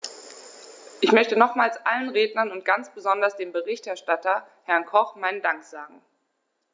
Ich möchte nochmals allen Rednern und ganz besonders dem Berichterstatter, Herrn Koch, meinen Dank sagen.